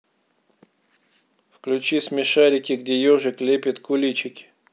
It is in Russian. включи смешарики где ежик лепит куличики